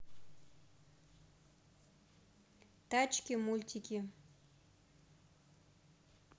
тачки мультики